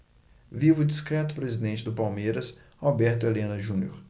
viva o discreto presidente do palmeiras alberto helena junior